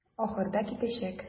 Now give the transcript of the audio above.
Ахырда китәчәк.